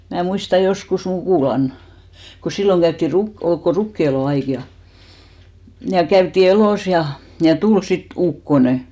minä muistan joskus mukulan kun silloin käytiin - oli kun rukiinelon aika ja ja käytiin elossa ja ja tuli sitten ukkonen